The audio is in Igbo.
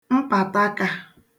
mpàtakā